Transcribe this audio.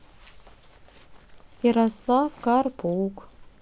ярослав карпук